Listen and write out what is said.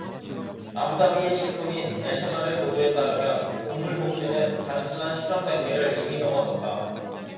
아부다비의 신문인 내셔널 의 보도에 따르면 동물 복제는 단순한 실험 단계를 이미 넘어섰다